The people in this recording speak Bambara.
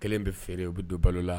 Kelen bɛ feere u bɛ don balo la